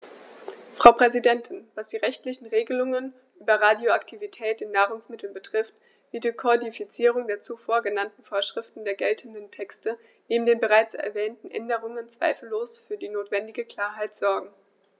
Frau Präsidentin, was die rechtlichen Regelungen über Radioaktivität in Nahrungsmitteln betrifft, wird die Kodifizierung der zuvor genannten Vorschriften der geltenden Texte neben den bereits erwähnten Änderungen zweifellos für die notwendige Klarheit sorgen.